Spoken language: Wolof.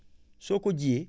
soo ko jiyee